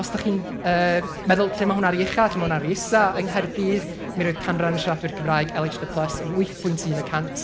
Os dach chi'n yy meddwl lle ma' hwn ar ei ucha, lle ma' hwn ar ei isa, yng Nghaerdydd, mi roedd canran siaradwyr Cymraeg LH D plus yn wyth pwynt un y cant.